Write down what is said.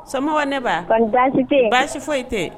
So neba baasi tɛ baasi foyi yen tɛ